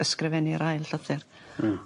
ysgrifennu'r ail llythyr. Hmm.